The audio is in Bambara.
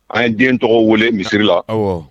An ye den tɔgɔ wele misiri la, awɔ